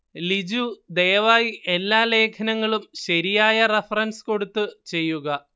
ലിജു ദയവായി എല്ലാ ലേഖനങ്ങളും ശരിയായ റെഫറൻസ് കൊടുത്ത് ചെയ്യുക